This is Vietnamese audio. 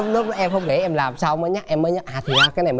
lúc đó em không để em làm xong mới nhắc em mới nhắc à thì ra cái này